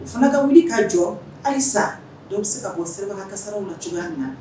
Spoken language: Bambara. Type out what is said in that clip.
O fana ka wili ka jɔ halisa, dɔ bɛ se ka bɔ sirabakankasaraw la cogoya min na.